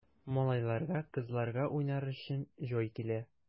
Малайларга, кызларга уйнар өчен җай килә!